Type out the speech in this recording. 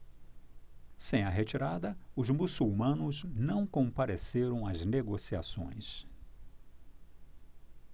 sem a retirada os muçulmanos não compareceram às negociações